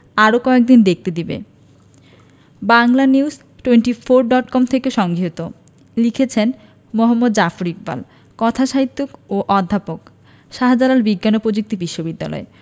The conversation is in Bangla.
আরো কয়দিন দেখতে দেবে বাংলানিউজ টোয়েন্টিফোর ডট কম থেকে সংগৃহীত লিখেছেন মুহাম্মদ জাফর ইকবাল কথাসাহিত্যিক ও অধ্যাপক শাহজালাল বিজ্ঞান ও প্রযুক্তি বিশ্ববিদ্যালয়